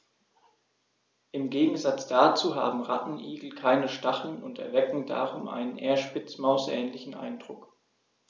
Im Gegensatz dazu haben Rattenigel keine Stacheln und erwecken darum einen eher Spitzmaus-ähnlichen Eindruck.